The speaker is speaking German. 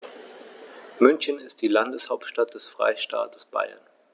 München ist die Landeshauptstadt des Freistaates Bayern.